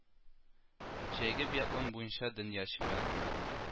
Җәйге биатлон буенча дөнья чемпионатына